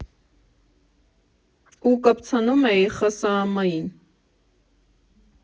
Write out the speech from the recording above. Ու կպցնում էի ՀԽՍՀ֊ին։